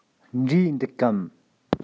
འབྲས འདུག གམ